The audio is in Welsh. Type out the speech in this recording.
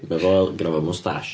Ma o'n foel a ganddo fo moustache.